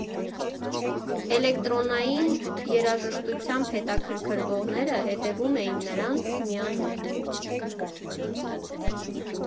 Էլեկտրոնային երաժշտությամբ հետաքրքրվողները հետևում էին նրանց, միանում։